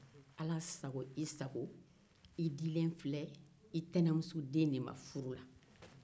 ala sago i sago i dilen filɛ i tɛnɛnmusoden de ma furu la